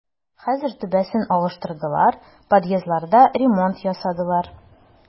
Хәзер түбәсен алыштырдылар, подъездларда ремонт ясадылар.